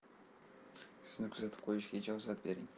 sizni kuzatib qo'yishga ijozat bering